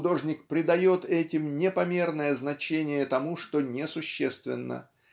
художник придает этим непомерное значение тому что несущественно